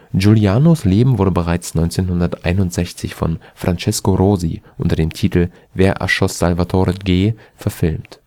Giulianos Leben wurde bereits 1961 von Francesco Rosi unter dem Titel Wer erschoss Salvatore G.? verfilmt